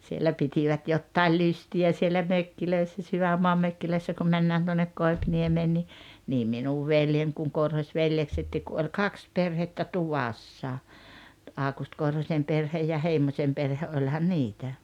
siellä pitivät jotakin lystiä siellä mökeissä sydänmaan mökeissä kun mennään tuonne Koipiniemeen niin niin minun veljen kun Korhosveljeksetkin kun oli kaksi perhettä tuvassa Aukusti Korhosen perhe ja Heimosen perhe olihan niitä